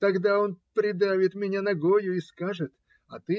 тогда он придавит меня ногою и скажет: "А!